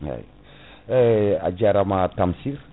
eyyi % a jaarama Tamsir